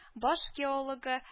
Баш геологы